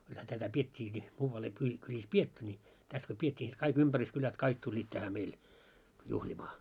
kyllähän tätä pidettiinkin muualla ei - kylissä pidetty niin tässä kun pidettiin niin sitten kaikki ympäryskylät kaikki tulivat tähän meille juhlimaan